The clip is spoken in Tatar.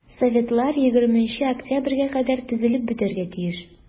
Советлар 20 октябрьгә кадәр төзелеп бетәргә тиеш.